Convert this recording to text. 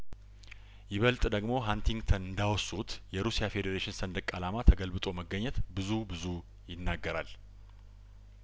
ይበልጥ ደግሞ ሀንቲንግተን እንዳ ወሱት የሩሲያ ፌዴሬሽን ሰንደቅ አላማ ተገልብጦ መገኘት ብዙ ብዙ ይናገራል